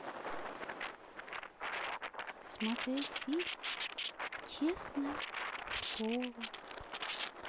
смотреть фильм честное слово